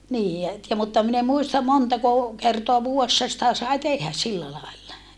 niin ja että ja mutta minä en muista montako kertaa vuodessa sitä sai tehdä sillä lailla